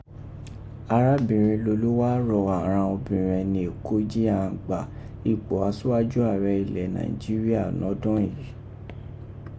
Arabinrẹn Lolú wa rọ àghan obinrẹn ni Èkó jí ghan gbà ipo aṣiwaju aarẹ ilẹ Nàìjíríà nọdún yìí.